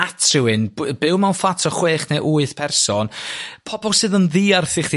at rhywun y byw mewn fflat efo chwech neu wyth person pobol sydd yn ddiarth i chdi